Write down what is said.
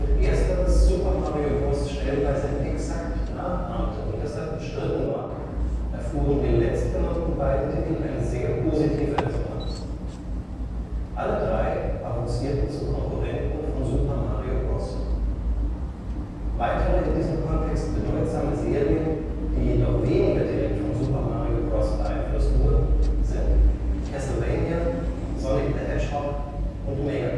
ersteres Super Mario Bros. stellenweise exakt nachahmte und deshalb umstritten war, erfuhren die letztgenannten beiden Titel eine sehr positive Resonanz. Alle drei avancierten zu Konkurrenten von Super Mario Bros. Weitere in diesem Kontext bedeutsame Serien, die jedoch weniger direkt von Super Mario Bros. beeinflusst wurden, sind Castlevania, Sonic the Hedgehog und Mega